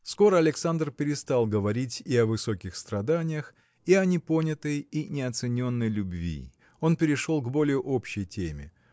Скоро Александр перестал говорить и о высоких страданиях и о непонятой и неоцененной любви. Он перешел к более общей теме.